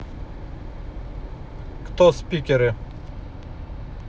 кто спикеры